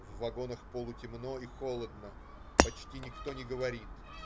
В вагонах полутемно и холодно. Почти никто не говорит.